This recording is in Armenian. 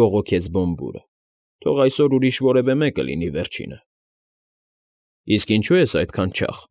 բողոքեց Բոմբուրը։֊ Թող այսօր ուրիշ որևէ մեկը լինի վերջինը։ ֊ Իսկ ինչո՞ւ ես այդքան չաղ։